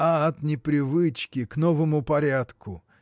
– А от непривычки к новому порядку.